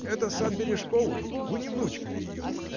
Это сад Бережковой — вы не внучка ли ее?